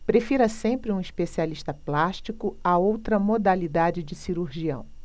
prefira sempre um especialista plástico a outra modalidade de cirurgião